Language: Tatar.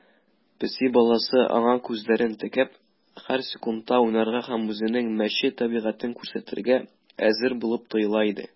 Песи баласы, аңа күзләрен текәп, һәр секундта уйнарга һәм үзенең мәче табигатен күрсәтергә әзер булып тоела иде.